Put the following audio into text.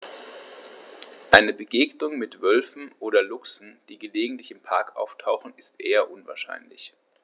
Eine Begegnung mit Wölfen oder Luchsen, die gelegentlich im Park auftauchen, ist eher unwahrscheinlich.